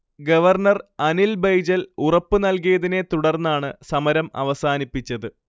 governor Anil Baijal ഉറപ്പ് നൽകിയതിനെ തുടർന്നാണ് സമരം അവസാനിപ്പിച്ചത്